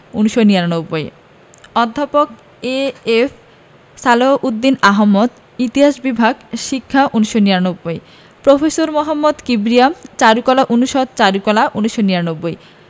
১৯৯৯ অধ্যাপক এ.এফ সালাহ উদ্দিন আহমদ ইতিহাস বিভাগ শিক্ষা ১৯৯৯ প্রফেসর মোহাম্মদ কিবরিয়া চারুকলা অনুষদ চারুকলা ১৯৯৯